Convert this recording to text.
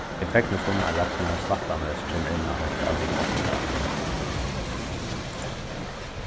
eg fegnist um at ragnar slættanes kemur inn á hetta við koppingarætlanini